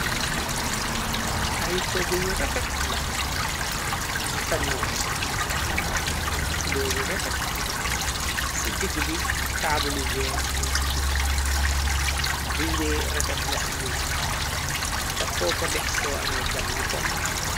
Ay toogu yu refet la tanooy am kulóor yu refet ci digg bi taabuli weer mum ci diggam liide refet na ci ndeek ta foo ko def soo amee gan yu kontaan.